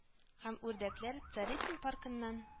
Һәм үрдәкләр Царицын паркыннан